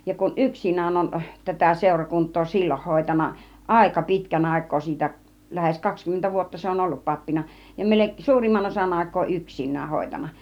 ja kun yksinään on tätä seurakuntaa silloin hoitanut aika pitkän aikaa siitä lähes kaksikymmentä vuotta se on ollut pappina ja - suurimman osan aikaa yksinään hoitanut